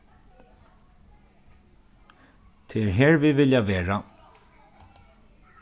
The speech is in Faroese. tað er her vit vilja vera